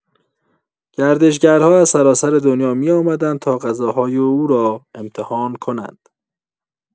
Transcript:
گردشگرها از سراسر دنیا می‌آمدند تا غذاهای او را امتحان کنند.